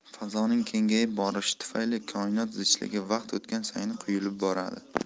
fazoning kengayib borishi tufayli koinot zichligi vaqt o'tgan sayin quyilab boradi